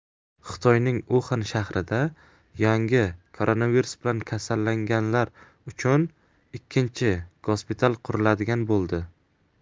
xitoyning uxan shahrida yangi koronavirus bilan kasallanganlar uchun ikkinchi gospital quriladigan bo'ldi